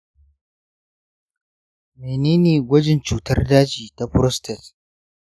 menene gwajin cutar daji ta prostate?